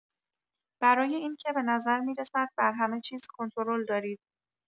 برای اینکه به نظر می‌رسد بر همه‌چیز کنترل دارید.